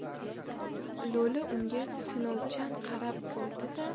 lo'li unga sinovchan qarab qo'ydi da